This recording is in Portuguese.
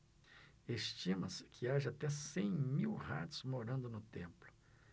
estima-se que haja até cem mil ratos morando no templo